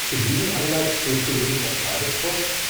Zu diesem Anlass schrieb die Linzer Tagespost